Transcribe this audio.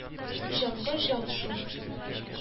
— җанга — җан шул